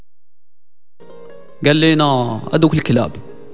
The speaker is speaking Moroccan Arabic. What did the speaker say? قال لي نوع الكلاب